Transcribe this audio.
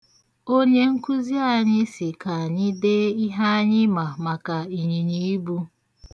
Onye nkụzi anyị sị ka anyị dee ihe anyị ma maka ịnyịnyiibu.